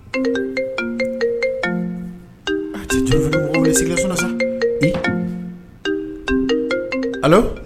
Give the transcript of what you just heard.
allo